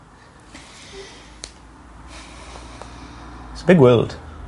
'S a big world.